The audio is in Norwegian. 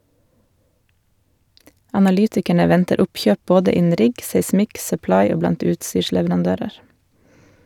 Analytikerne venter oppkjøp både innen rigg, seismikk, supply og blant utstyrsleverandører.